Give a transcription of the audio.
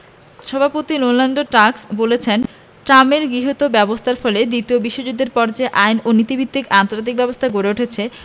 সভাপতি Donald Tusk বলেছেন ট্রাম্পের গৃহীত ব্যবস্থার ফলে দ্বিতীয় বিশ্বযুদ্ধের পর যে আইন ও নীতিভিত্তিক আন্তর্জাতিক ব্যবস্থা গড়ে উঠেছে